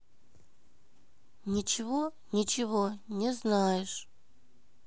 ничего ничего не знаешь